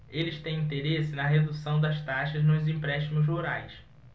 eles têm interesse na redução das taxas nos empréstimos rurais